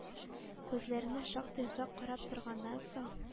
Күзләренә шактый озак карап торганнан соң,